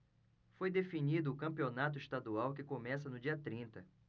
foi definido o campeonato estadual que começa no dia trinta